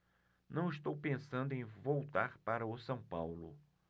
não estou pensando em voltar para o são paulo